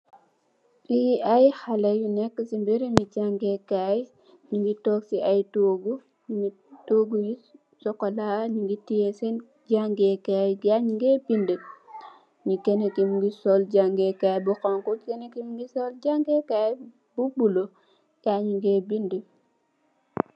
Fi ay xalèh yu nèkka ci barabi jangèè kai ñu ngi tóóg ci ay tóógu, tóógu yu sokola, ñu ngi teyeh sèèn jangèè kai ngayi ñu bindi, Kenna ki mugii sol jangèè bu xonxu, Kenna ki mugii sol jangèè kai bu bula ngayi ñu ngee bindi.